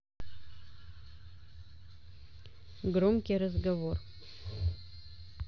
громкий разговор